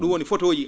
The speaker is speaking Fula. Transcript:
?um woni photo ji